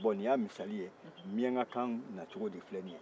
bon ni y'a misali ye miyanka kan na cogo de filɛ nin ye